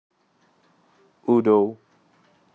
udo